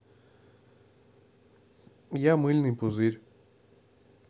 я мыльный пузырь